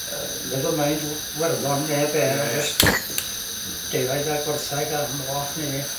Yy never mind Werddon ne' be jus defaid a gwerthag a moch ne'